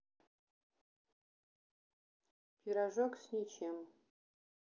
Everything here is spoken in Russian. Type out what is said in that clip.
пирожок с ничем